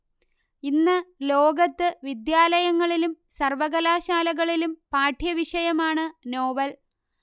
ഇന്ന് ലോകത്ത് വിദ്യാലയങ്ങളിലും സർവ്വകലാശാലകളിലും പാഠ്യവിഷയമാണ് നോവൽ